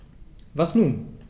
Was nun?